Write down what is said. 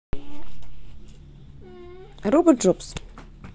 робот джобс